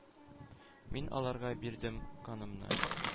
Мин аларга бирдем канымны,